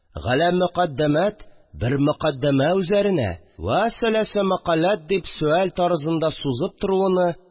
«галә мөкаддәмәт» бер мөкаддәмә үзәренә, «вә сәлясә мәкаләт» вә сәлясә мәкаләт» дип сөаль тарызында сузып торуыны